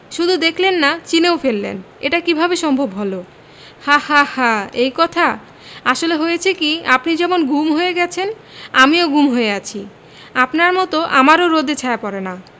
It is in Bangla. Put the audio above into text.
শুধু দেখলেন না চিনেও ফেললেন এটা কীভাবে সম্ভব হলো হা হা হা এই কথা আসলে হয়েছে কি আপনি যেমন গুম হয়ে গেছেন আমিও গুম হয়ে আছি আপনার মতো আমারও রোদে ছায়া পড়ে না